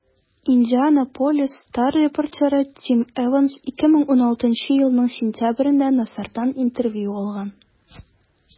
«индианаполис стар» репортеры тим эванс 2016 елның сентябрендә нассардан интервью алган.